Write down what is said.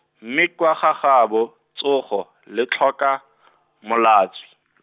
mme kwa gagabo, tsogo, le tlhoka , molatswi .